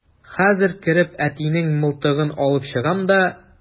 Хәзер кереп әтинең мылтыгын алып чыгам да...